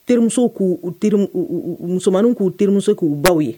Terimuso k'u musoman k'u terimuso k'u b bawaw ye